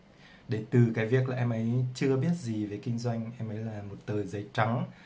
để từ việc em ấy chưa biết gì về kinh doanh em ấy là tờ giầy trắng